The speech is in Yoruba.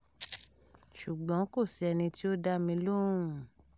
Ṣùgbọ́n kò sí ẹni tí ó dá mi lóhùn.